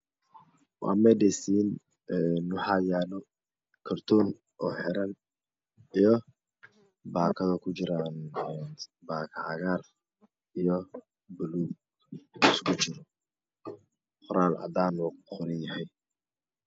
Waa madhasin oo yalan bakado ku jiran buskud qoral cadana wuu ku qoranyahay